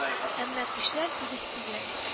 Әмма көчләр тигез түгел